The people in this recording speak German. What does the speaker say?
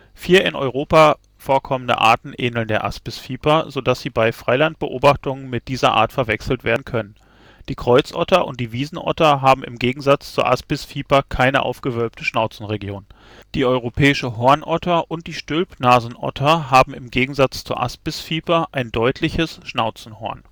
Vier in Europa vorkommende Arten ähneln der Aspisviper, so dass sie bei Freilandbeobachtungen mit dieser Art verwechselt werden können. Die Kreuzotter und die Wiesenotter haben im Gegensatz zur Aspisviper keine aufgewölbte Schnauzenregion. Die Europäische Hornotter und die Stülpnasenotter haben im Gegensatz zur Aspisviper ein deutliches Schnauzenhorn